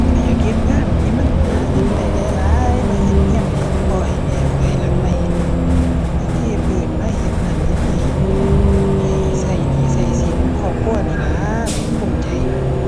ข้อยอยากเฮ็ดงานที่มันหาเงินได้หลายหลาย มาเฮ็ดเรือนให้พ่อให้แม่ข้อยหลังใหม่ มาเทพื้น มาเฮ็ดนั่นเฮ็ดนี้ ให้เรือนหนี้เรือนสินให้ครอบครัวนี่ล่ะจั่งภูมิใจ